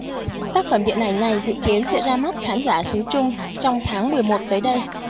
tác phẩm điện ảnh này dự kiến sẽ ra mắt khán giả xứ trung trong tháng mười một tới đây